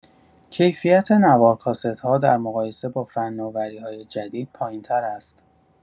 کیفیت نوار کاست‌ها در مقایسه با فناوری‌های جدید پایین‌تر است.